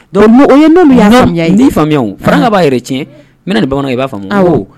n b'i faamuya wo, Faranka b'a yɛrɛ tiɲɛ n bɛ na ni bamanankan ye i b'a faamuya